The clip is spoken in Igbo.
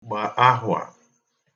gba ahwa